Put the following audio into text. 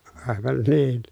aivan niin